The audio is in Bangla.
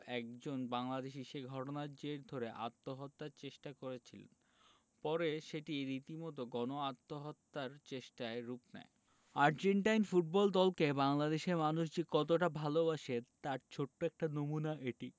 একজন বাংলাদেশি সে ঘটনার জের ধরে আত্মহত্যার চেষ্টা করেছিলেন পরে সেটি রীতিমতো গণ আত্মহত্যার চেষ্টায় রূপ নেয় আর্জেন্টাইন ফুটবল দলকে বাংলাদেশের মানুষ যে কতটা ভালোবাসে তার ছোট্ট একটা নমুনা এটি